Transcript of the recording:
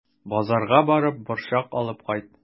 Базарга барып, борчак алып кайт.